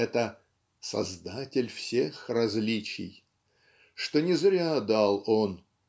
это "Создатель всех различий" что не зря дал он